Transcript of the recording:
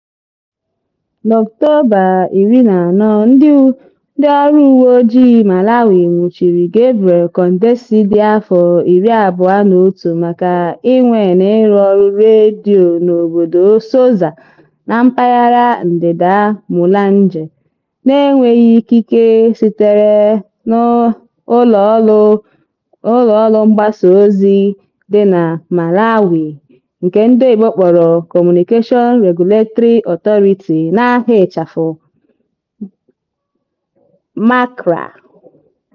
N'Ọktọba 14th Ndịọrụ Uweojii Malawi nwụchiri Gabriel Kondesi dị afọ 21 maka inwe na ịrụ ọrụ redio na Soza Village na mpaghara ndịda Mulanje, na-enweghị ikike sitere na Malawi Communications Regulatory Authority (MACRA).